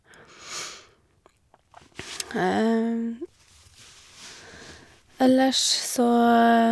Ellers så...